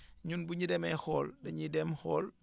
ñun bu ñu demee xool da ñuy dem xool